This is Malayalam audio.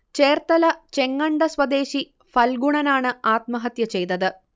ചേർത്തല ചെങ്ങണ്ട സ്വദേശി ഫൽഗുണനാണ് ആത്മഹത്യ ചെയ്തത്